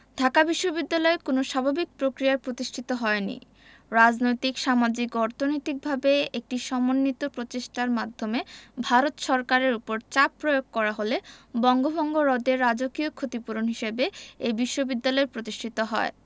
ঢাকা বিশ্ববিদ্যালয় কোনো স্বাভাবিক প্রক্রিয়ায় প্রতিষ্ঠিত হয়নি রাজনৈতিক সামাজিক ও অর্তনৈতিকভাবে একটি সমন্বিত প্রচেষ্টার মাধ্যমে ভারত সরকারের ওপর চাপ প্রয়োগ করা হলে বঙ্গভঙ্গ রদের রাজকীয় ক্ষতিপূরণ হিসেবে এ বিশ্ববিদ্যালয় প্রতিষ্ঠিত হয়